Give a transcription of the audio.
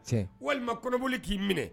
Cɛ walimaoli k'i minɛ